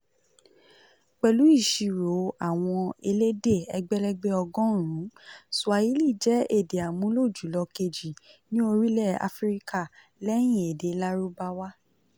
Pẹ̀lú ìṣirò àwọn elédè ẹgbẹ̀ẹ́lẹ́gbẹ̀ 100, Swahili jẹ́ èdè àmúlò-jùlọ-kejì ní orílẹ̀ Áfíríkà, lẹ́yìn èdè Lárúbáwá.